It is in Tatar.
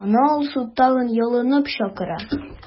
Аны Алсу тагын ялынып чакыра.